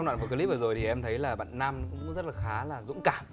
đoạn cờ lip vừa rồi thì em thấy là bạn nam cũng rất là khá là dũng cảm